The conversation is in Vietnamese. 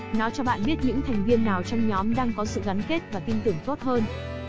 nó cho bạn biết những thành viên nào trong nhóm đang có sự gắn kết và tin tưởng tốt hơn